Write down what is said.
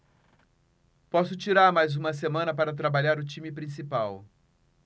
posso tirar mais uma semana para trabalhar o time principal